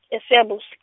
eSiyabusw- .